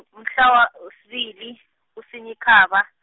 mhlawa- wesibili, kuSinyikhaba.